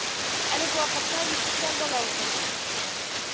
Әлеге вакытта йөз сиксән бала укый